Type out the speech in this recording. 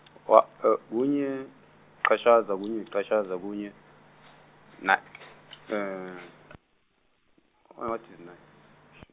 kunye, chashaza kunye, chashaza kunye, na- what is na.